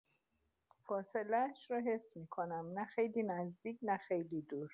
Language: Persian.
فاصله‌اش را حس می‌کنم، نه خیلی نزدیک، نه خیلی دور.